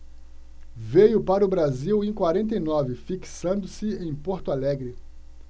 veio para o brasil em quarenta e nove fixando-se em porto alegre